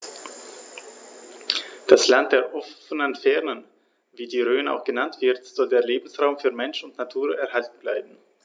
Das „Land der offenen Fernen“, wie die Rhön auch genannt wird, soll als Lebensraum für Mensch und Natur erhalten werden.